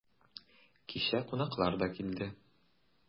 Кичә кунаклар да килде.